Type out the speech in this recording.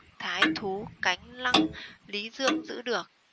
thái thú cánh lăng lý dương giữ được